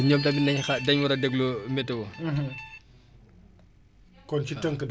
kon si tënk daal fu mu toll nii ñëpp war nañ mun jëfandikoo